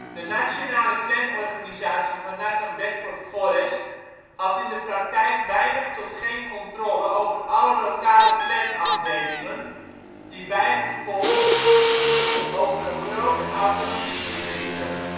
De nationale clanorganisatie van Nathan Bedford Forrest had in de praktijk weinig tot geen controle over alle lokale Klanafdelingen die bijgevolg over een grote autonomie beschikten